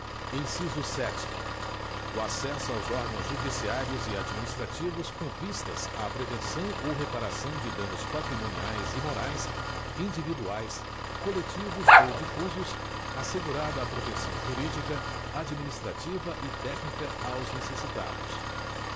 inciso sete o acesso aos órgãos judiciários e administrativos com vistas à prevenção ou reparação de danos patrimoniais e morais individuais coletivos ou difusos assegurada a proteção jurídica administrativa e técnica aos necessitados